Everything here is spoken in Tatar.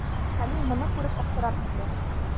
Хәлим моны күреп, аптырап китә.